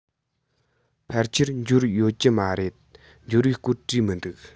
ཕལ ཆེར འབྱོར ཡོད ཀྱི མ རེད འབྱོར བའི སྐོར བྲིས མི འདུག